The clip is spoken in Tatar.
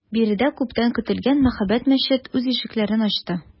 Биредә күптән көтелгән мәһабәт мәчет үз ишекләрен ачты.